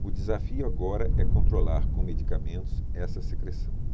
o desafio agora é controlar com medicamentos essa secreção